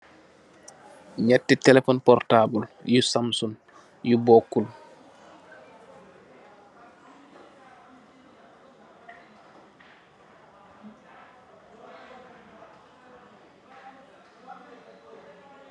Nyate telephone purtable yu Samsung yu bokut.